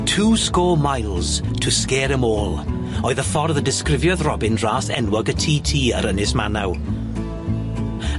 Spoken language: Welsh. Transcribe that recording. Two score miles to scare 'em all oedd y ffordd y disgrifiodd Robin ras enwog y Tee Tee ar Ynys Manaw.